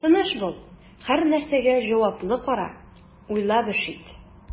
Тыныч бул, һәрнәрсәгә җаваплы кара, уйлап эш ит.